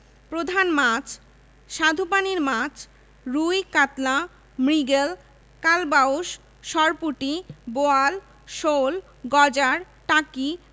প্রধান মাছঃ স্বাদুপানির মাছ রুই কাতলা মৃগেল কালবাউস সরপুঁটি বোয়াল শোল গজার টাকি